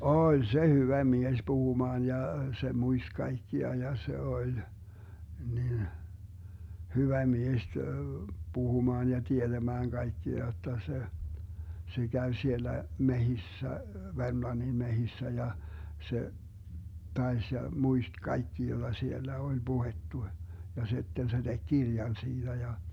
oli se hyvä mies puhumaan ja se muisti kaikkia ja se oli niin hyvä mies puhumaan ja tietämään kaikkia jotta se se kävi siellä metsissä Vermlannin metsissä ja se taisi ja muisti kaikki jota siellä oli puhuttu ja sitten se teki kirjan siitä ja